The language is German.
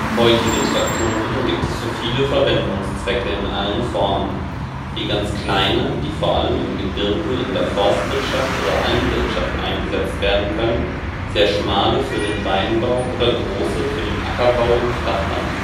Heutige Traktoren gibt es für viele Verwendungszwecke in allen Formen, wie ganz kleine, die vor allem im Gebirge in der Forstwirtschaft oder Almwirtschaft eingesetzt werden können, sehr schmale für den Weinbau oder große für den Ackerbau im Flachland